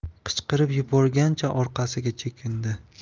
qichqirib yuborgancha orqasiga chekindi